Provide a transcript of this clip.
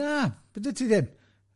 Na, byddet ti ddim.